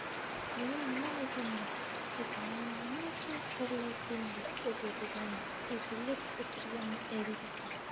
mening nima aybim bor edi meni nima uchun xo'rladingiz dedi zaynab ezilib o'tirgan eriga qarab